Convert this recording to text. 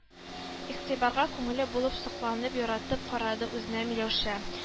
Игътибарга күңеле булып, сокланып, яратып карады үзенә Миләүшә